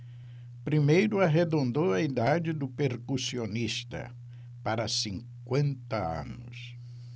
primeiro arredondou a idade do percussionista para cinquenta anos